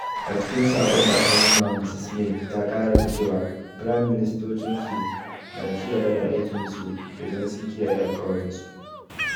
A cikin sakon da aka nuna wa Mrs May, ta kara da cewa: 'Firaim Ministocin su na ci gaba da aikin su idan sun kiyaye alkawuransu.'